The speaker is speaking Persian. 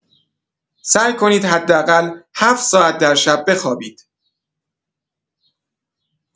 سعی کنید حداقل ۷ ساعت در شب بخوابید.